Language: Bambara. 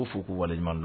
Ko fou ko wali waleɲuman